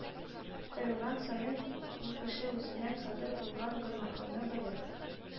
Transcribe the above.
Кыйлган саен, ул кеше үзеннән садыр булган гөнаһыны белеп,